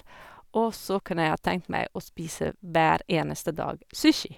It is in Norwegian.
Og så kunne jeg ha tenkt meg å spise hver eneste dag sushi.